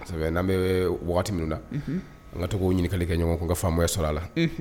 Kosɛbɛ, n'an bɛ waati minnu na, unhun, an ka to k'o ɲininkali kɛ ɲɔgɔn kun ka faamuya sɔrɔ a la, un.